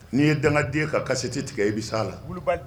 N'i ye dangaden ka kasi se tɛ tigɛ i bɛ se' a la